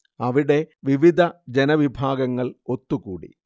അവിടെ വിവിധ ജനവിഭാഗങ്ങൾ ഒത്തുകൂടി